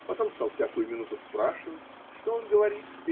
потом стал всякую минуту спрашивать: -- что он говорит?